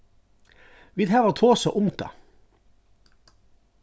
vit hava tosað um tað